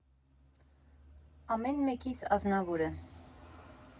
Ամեն մեկիս Ազնավուրը։